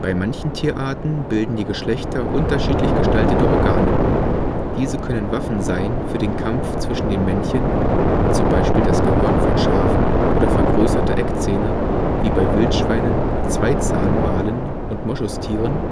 manchen Tierarten bilden die Geschlechter unterschiedlich gestaltete Organe. Diese können Waffen sein für den Kampf zwischen den Männchen (z. B. das Gehörn von Schafen oder vergrößerte Eckzähne wie bei Wildschweinen, Zweizahnwalen, Moschustieren